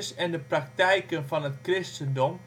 en de praktijken van het christendom